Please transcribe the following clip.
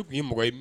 A ye mɔgɔ ye